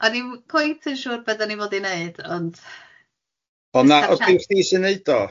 O'n i'm cweit yn siŵr be dan ni fod i wneud ond... O na, os ddim chdi sy'n neud o?